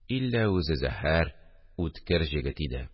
Иллә үзе зәһәр, үткер җегет иде